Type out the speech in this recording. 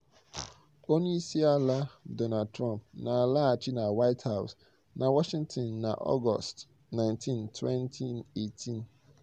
Onyeisiala Donald Trump na-alaghachi na White House na Washington na Ọgọstụ 19, 2018.